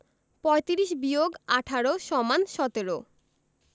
৩৫ – ১৮ = ১৭